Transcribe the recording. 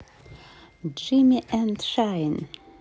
jimmy and shine